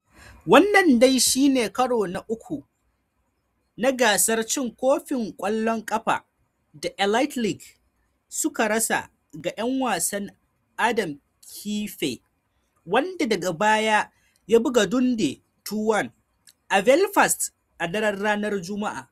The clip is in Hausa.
Wannan dai shi ne karo na uku na gasar cin kofin kwallon kafa da Elite League suka rasa ga 'yan wasan Adam Keefe, wanda daga baya ya buga Dundee 2-1 a Belfast a daren ranar Jumma'a.